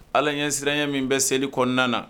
Ala ɲɛsiranɲɛ min be seli kɔnɔna na.